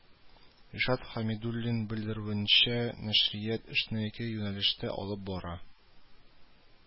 Ришат Хәмидуллин белдерүенчә, нәшрият эшне ике юнәлештә алып бара